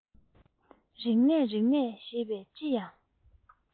རིག གནས རིག གནས ཞེས པའི ལྕི ཡང